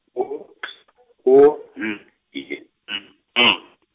O T O N E N G.